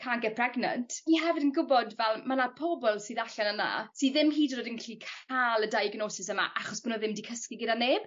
can't get pregnant ni hefyd yn gwbod fel ma' 'na pobol sydd allan yna sy ddim hyd yn fod yn gallu ca'l y diagnosis yma achos bo' nw ddim 'di cysgu gyda neb.